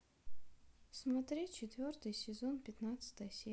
смотреть четвертый сезон пятнадцатая серия